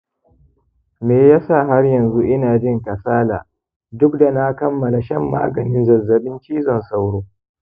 me yasa har yanzu ina jin kasala duk da na kammala shan maganin zazzaɓin cizon sauro